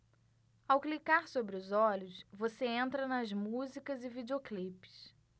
ao clicar sobre os olhos você entra nas músicas e videoclipes